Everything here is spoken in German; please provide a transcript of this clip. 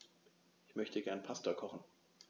Ich möchte gerne Pasta kochen.